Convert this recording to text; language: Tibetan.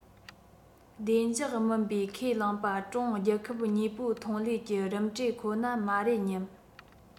བདེ འཇགས མིན པའི ཁས བླངས པ ཀྲུང རྒྱལ ཁབ གཉིས པོའི ཐོན ལས ཀྱི རིམ གྲས ཁོ ན མ རེད སྙམ